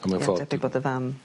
A mewn ffordd... bod dy fam